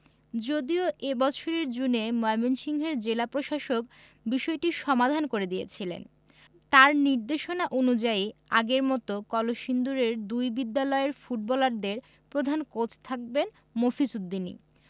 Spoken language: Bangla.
যদিও এ বছরের জুনে ময়মনসিংহের জেলা প্রশাসক বিষয়টির সমাধান করে দিয়েছিলেন তাঁর নির্দেশনা অনুযায়ী আগের মতো কলসিন্দুরের দুই বিদ্যালয়ের ফুটবলারদের প্রধান কোচ থাকবেন মফিজ উদ্দিনই